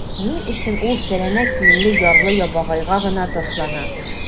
Ни өчен ул сәләмә киемле ярлы-ябагайга гына ташлана?